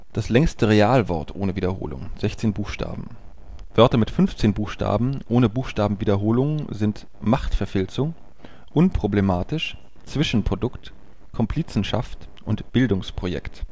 das längste Realwort ohne Wiederholung (16 Buchstaben). Wörter mit 15 Buchstaben ohne Buchstabenwiederholung sind Machtverfilzung, unproblematisch, Zwischenprodukt, Komplizenschaft und Bildungsprojekt